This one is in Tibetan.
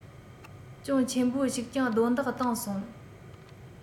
ཅུང ཆེན པོ ཞིག ཀྱང རྡུང རྡེག གཏང སོང